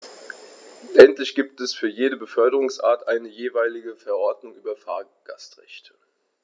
Endlich gibt es jetzt für jede Beförderungsart eine jeweilige Verordnung über Fahrgastrechte.